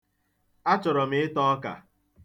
Achọrọ m ịta ọka.